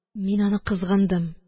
Мин аны кызгандым.